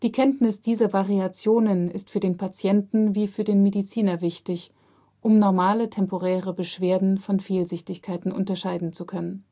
Kenntnis dieser Variationen ist für den Patienten wie für den Mediziner wichtig, um normale temporäre Beschwerden von Fehlsichtigkeiten unterscheiden zu können